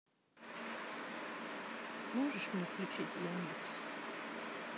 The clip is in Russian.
можешь мне включить яндекс